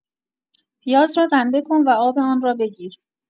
پیاز را رنده کن و آب آن را بگیر.